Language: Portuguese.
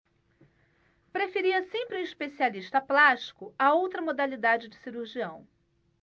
prefira sempre um especialista plástico a outra modalidade de cirurgião